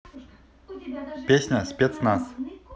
песня спецназ